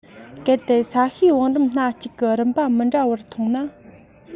གལ ཏེ ས གཤིས བང རིམ སྣ གཅིག གི རིམ པ མི འདྲ བར མཐོང ན